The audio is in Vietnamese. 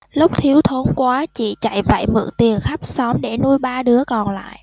lúc thiếu thốn quá chị chạy vạy mượn tiền khắp xóm để nuôi ba đứa còn lại